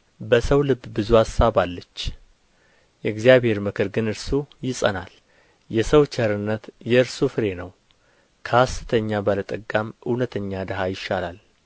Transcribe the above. በሰው ልብ ብዙ አሳብ አለ የእግዚአብሔር ምክር ግን እርሱ ይጸናል የሰው ቸርነት የእርሱ ፍሬ ነው ከሐሰተኛ ባለጠጋም እውነተኛ ድሀ ይሻላል